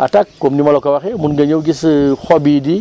attaque comme ni ma la ko waxee mun nga ñëw gis xob yi di